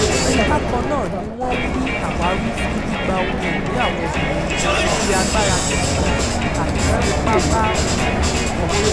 Bákan náà ni wọ́n ń wí àwáwí fún gbígba ohun ìní àwọn obìnrin, fi agbára gbẹ̀san tàbí fi ipá bá obìnrin lò pọ̀.